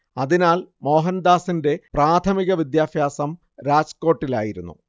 അതിനാൽ മോഹൻദാസിന്റെ പ്രാഥമിക വിദ്യാഭ്യാസം രാജ്കോട്ടിലായിരുന്നു